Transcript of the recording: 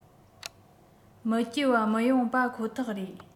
མི སྐྱིད བ མི ཡོང པ ཁོ ཐག རེད